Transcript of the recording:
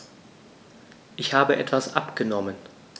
Ich habe etwas abgenommen.